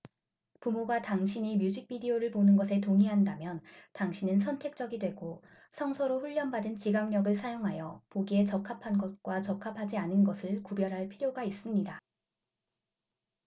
부모가 당신이 뮤직 비디오를 보는 것에 동의한다면 당신은 선택적이 되고 성서로 훈련받은 지각력을 사용하여 보기에 적합한 것과 적합하지 않은 것을 구별할 필요가 있습니다